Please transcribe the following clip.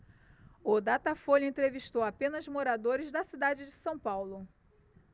o datafolha entrevistou apenas moradores da cidade de são paulo